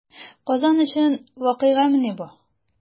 Казан өчен вакыйгамыни бу?